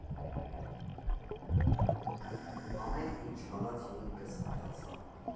Ամեն ինչ հալած յուղի պես ընթացավ.